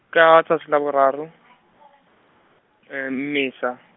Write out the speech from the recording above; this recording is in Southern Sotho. ka tsatsi la boraro , Mmesa.